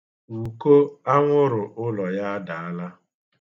Ukoanwụrụ ụlọ ya a daala.